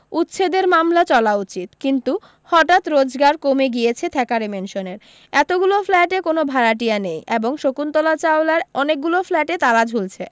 উচ্ছেদের মামলা চলা উচিত কিন্তু হঠাত রোজগার কমে গিয়েছে থ্যাকারে ম্যানসনের এতগুলো ফ্ল্যাটে কোনো ভাড়াটিয়া নেই এবং শকুন্তলা চাওলার অনেকগুলো ফ্ল্যাটে তালা ঝুলছে